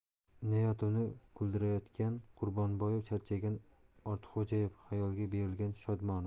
inoyatovni kuldirayotgan quronboyev charchagan ortiqxo'jayev xayolga berilgan shodmonov